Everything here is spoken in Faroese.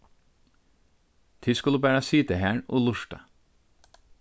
tit skulu bara sita har og lurta